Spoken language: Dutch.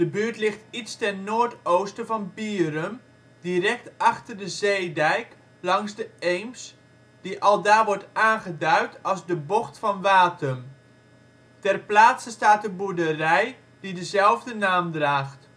buurt ligt iets ten noordoosten van Bierum, direct achter de zeedijk langs de Eems, die aldaar wordt aangeduid als de Bocht van Watum. Ter plaatse staat een boerderij die dezelfde naam draagt